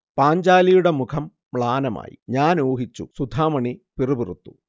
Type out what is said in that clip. പാഞ്ചാലിയുടെ മുഖം മ്ളാനമായി 'ഞാൻ ഊഹിച്ചു' സുധാമണി പിറുപിറുത്തു